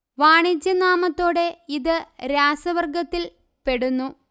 വാണിജ്യ നാമത്തോടെ ഇത് രാസവർഗത്തിൽ പെടുന്നു